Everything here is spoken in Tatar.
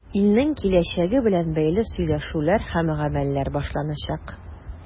Илнең киләчәге белән бәйле сөйләшүләр һәм гамәлләр башланачак.